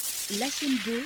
Lasi don